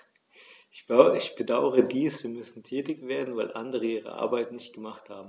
Ich bedauere dies, denn wir müssen tätig werden, weil andere ihre Arbeit nicht gemacht haben.